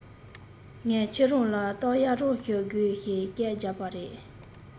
ངས ཁྱེད རང ལ རྟ གཡར རོགས ཞུ དགོས ཞེས སྐད རྒྱབ པ རེད